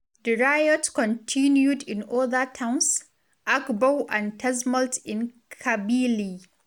The riots continued in other towns: Akbou and Tazmalt in Kabylie.